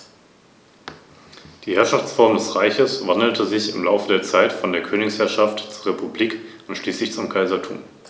Das Fell der Igel ist meist in unauffälligen Braun- oder Grautönen gehalten.